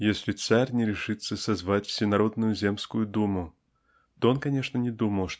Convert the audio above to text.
если царь не решится созвать всенародную земскую думу" -- то он конечно не думал